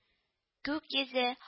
Күк йөзе